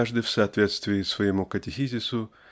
каждый в соответствии своему катехизису